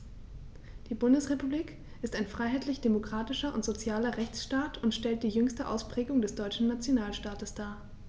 Die Bundesrepublik ist ein freiheitlich-demokratischer und sozialer Rechtsstaat und stellt die jüngste Ausprägung des deutschen Nationalstaates dar.